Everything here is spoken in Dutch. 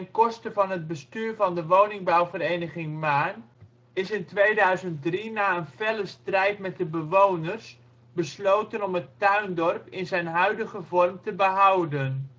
koste van het bestuur van de woningbouwvereniging ' Maarn ' is in 2003 na een felle strijd met de bewoners besloten om het ' Tuindorp ' in zijn huidige vorm te behouden